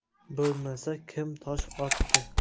bo'lmasa kim tosh otdi